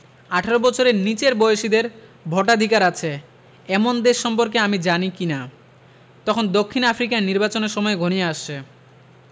১৮ বছরের নিচের বয়সীদের ভোটাধিকার আছে এমন দেশ সম্পর্কে আমি জানি কি না তখন দক্ষিণ আফ্রিকায় নির্বাচনের সময় ঘনিয়ে আসছে